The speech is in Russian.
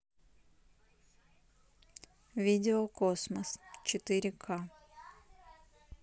видео космос четыре к